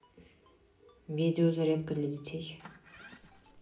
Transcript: видео зарядка для детей